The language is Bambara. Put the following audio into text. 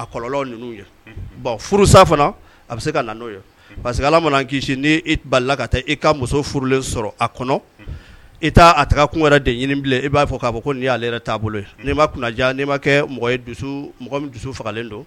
A kɔlɔn ninnu ye furusa a bɛ se ka na n'o ye parce que n' la ka taa i ka muso furulen sɔrɔ a kɔnɔ i t' a taga kun wɛrɛ de ɲinin bilen i b'a fɔ k'a fɔ ko'ale yɛrɛ taaboloi kun kunna n'i ma kɛ dusu fagalen don